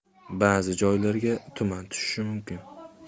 ba'zi joylarga tuman tushishi mumkin